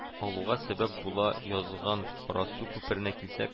Алуга сәбәп була язган карасу күперенә килсәк